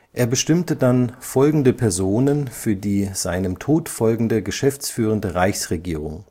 Er bestimmte dann folgende Personen für die seinem Tod folgende geschäftsführende Reichsregierung